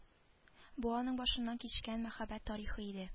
Бу аның башыннан кичкән мәхәббәт тарихы иде